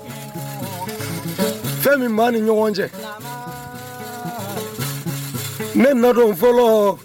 Fɛn min' ni ɲɔgɔn cɛ ne nadon fɔlɔ